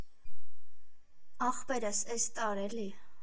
«Ախպերս էս տար էլի»